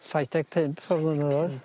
Saith deg pump o flynyddoedd. Hmm.